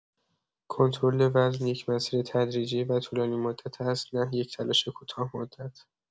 کنترل وزن یک مسیر تدریجی و طولانی‌مدت است، نه یک تلاش کوتاه‌مدت.